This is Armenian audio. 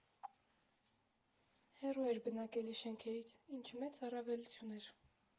Հեռու էր բնակելի շենքերից, ինչը մեծ առավելություն էր.